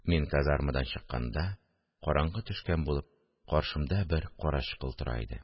Мин казармадан чыкканда, караңгы төшкән булып, каршымда бер карачкыл тора иде